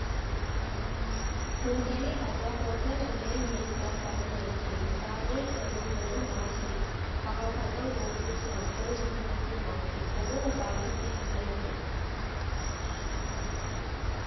«Բունկերի» հաճախորդները միայն երիտասարդները չէին, տարբեր սերունդների մարդիկ, քաղաքական գործիչներ, շոու֊բիզնեսի մարդիկ՝ բոլորը գալիս էին մեր մոտ։